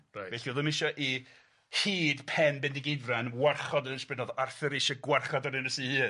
Reit. Felly o'dd o ddim isio i hud Pen Bendigeidfran warchod Ynys Brydain, o'dd Arthur isie gwarchod yr Ynys 'i hun.